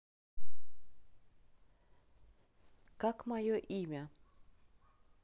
как мое имя